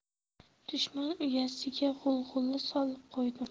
dushman uyasiga g'ulg'ula solib qo'ydim